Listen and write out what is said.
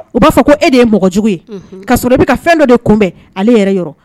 U b'a fɔ ko e de ye mɔgɔjugu ye ka sɔrɔ de bɛ ka fɛn dɔ de kunbɛn ale yɛrɛ yɔrɔ